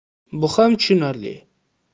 bu ham tushunarli